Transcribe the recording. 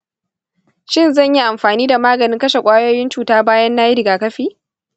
shin zan yi amfani da maganin kashe kwayoyin cuta bayan nayi rigakafi?